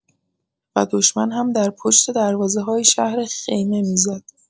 و دشمن هم در پشت دروازه‌های شهر خیمه می‌زد.